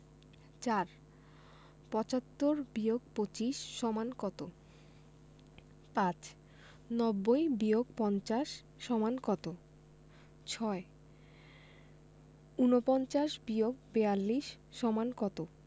৪ ৭৫-২৫ = কত ৫ ৯০-৫০ = কত ৬ ৪৯-৪২ = কত